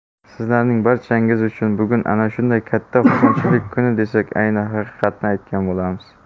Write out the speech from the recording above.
sizlarning barchangiz uchun bugun ana shunday katta xursandchilik kuni desak ayni haqiqatni aytgan bo'lamiz